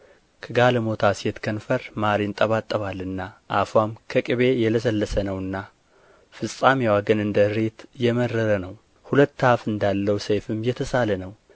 ከጋለሞታ ሴት ከንፈር ማር ይንጠባጠባልና አፍዋም ከቅቤ የለሰለሰ ነውና ፍጻሜዋ ግን እንደ እሬት የመረረ ነው ሁለት አፍ እንዳለው ሰይፍም የተሳለ ነው